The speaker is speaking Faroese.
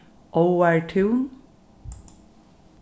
áartún